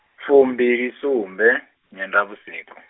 fumbilisumbe, nyendavhusiku.